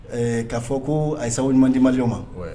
Ɛɛ k'a fɔ koo a ye sababuɲuman di malien w ma ouai